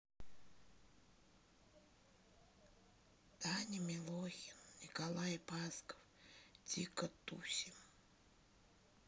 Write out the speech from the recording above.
даня милохин николай басков дико тусим